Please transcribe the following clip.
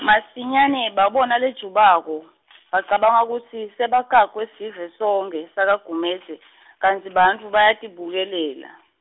masinyane babona lejubako , bacabanga kutsi sebakakwesivesonkhe, sakaGumedze kantsi, bantfu bayatibukelela.